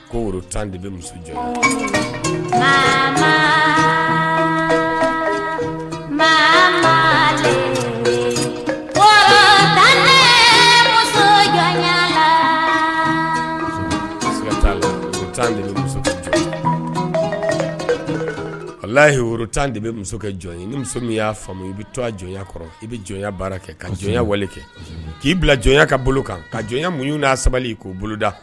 Tan ala ye woro tan de bɛ muso kɛ jɔn ye ni muso min y'a faamu i bɛ to jɔn kɔrɔ i bɛ jɔn baara kɛ ka jɔn wale kɛ k'i bila jɔn ka bolo kan ka jɔn mun'a sabali i k'o boloda